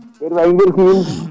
mbiɗa wawi nden so yonti